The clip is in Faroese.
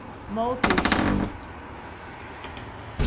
móttikið